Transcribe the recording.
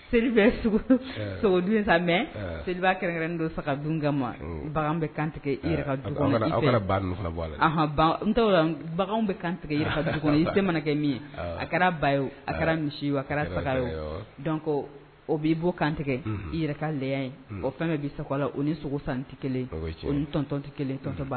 Seli selibakɛrɛnkɛrɛn don sa dunkɛ ma bagan bɛ kantigɛ i yɛrɛ du bagan bɛ kantigɛ du i tɛ mana kɛ min ye a kɛra bay a kɛra misi a kɛra say dɔnko o b'i bɔ kantigɛ i yɛrɛ ye o fɛn bɛɛ bɛ sa la o ni sogo san tɛ kelen ni tɔn tɛ kelen tɔn